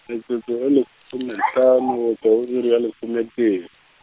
metsotso e lesomehlano go tšwa go iri ya lesome tee.